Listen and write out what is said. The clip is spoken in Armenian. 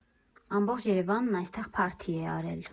Ամբողջ Երևանն այստեղ փարթի է արել։